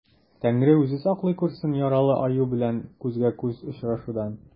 Тәңре үзе саклый күрсен яралы аю белән күзгә-күз очрашудан.